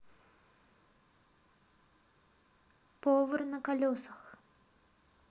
повар на колесах